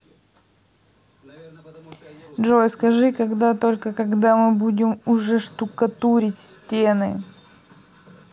джой скажи когда толькогда мы будем уже штукатурить стены